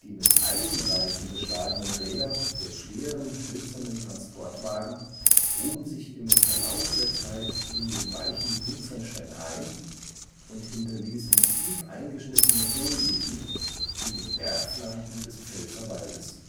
mit Eisenreifen beschlagenen Räder der schweren hölzernen Transportwagen gruben sich im Verlaufe der Zeit in den weichen Buntsandstein ein und hinterließen tief eingeschnittene Hohlwegen in den Bergflanken des Pfälzer-Waldes